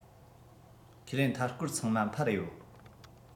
ཁས ལེན མཐའ སྐོར ཚང མ འཕར ཡོད